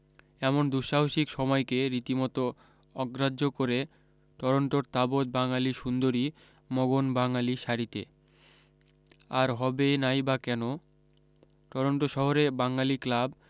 এমন দুসাহসিক সময়কে রীতিমত অগ্রাহ্য করে টরোন্টোর তাবত বাঙালী সুন্দরী মগন বাঙালী শাড়ীতে আর হবে নাই বা কেন টরোন্টো শহরে বাঙালী ক্লাব